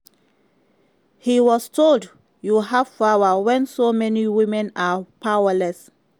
He was told, "you have power when so many women are powerless.""